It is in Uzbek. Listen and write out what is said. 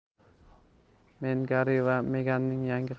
men garri va meganning yangi